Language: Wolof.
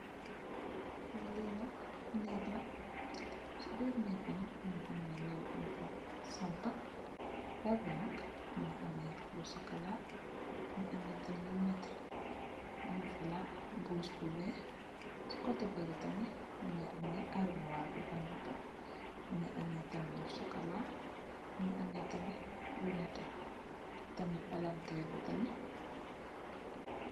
Li nak neek la, ci biir neek bi nak mungi am lal buñ fa sampa. Lal bi nak mungi ame lu sokola, mungi ame tamit lu neteh nyung fa lal mbuss bu weex. Ci koteh belle tamit mungi ame almowar bufa neka, mungi ame tamit sokola, mungi ame tamit lu neteh ak tamit palanteer bi tamit.